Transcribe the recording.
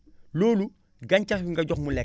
loolu gàncax bi nga jox mu lekk